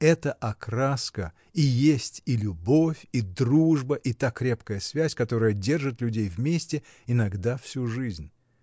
Эта окраска — и есть и любовь, и дружба, и та крепкая связь, которая держит людей вместе иногда всю жизнь.